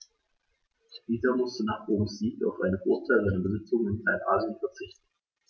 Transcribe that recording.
Dieser musste nach Roms Sieg auf einen Großteil seiner Besitzungen in Kleinasien verzichten.